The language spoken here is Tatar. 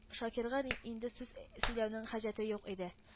Шакирга ни инде сүз э сөйләүнең хаҗәте юк иде